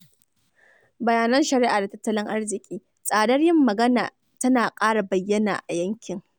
Bayanan shari'a da tattalin arziƙi, tsadar yin magana tana ƙara bayyana a yankin.